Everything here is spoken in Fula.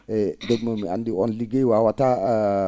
eeyi ?um noon anndi oon ligey waawataa